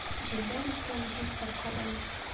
Җилләр искән җилкапкадан!